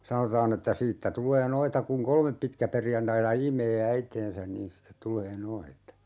sanotaan että siitä tulee noita kun kolme pitkäperjantaita imee äitiänsä niin sitten tulee noita